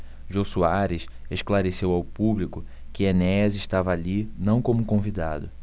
jô soares esclareceu ao público que enéas estava ali não como convidado